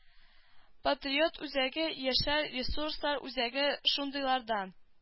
Патриот үзәге яшьләр ресурслар үзәге шундыйлардан